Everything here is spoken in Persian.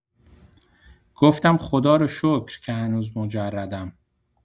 گفتم خداروشکر که هنوز مجردم.